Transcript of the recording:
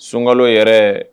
Sunka yɛrɛ